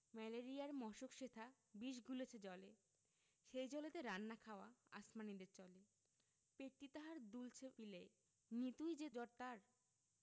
ম্যালেরিয়ার মশক সেথা বিষ গুলিছে জলে সেই জলেতে রান্না খাওয়া আসমানীদের চলে পেটটি তাহার দুলছে পিলেয় নিতুই যে জ্বর তার